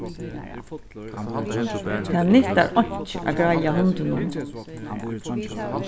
tað nyttar einki at greiða hundinum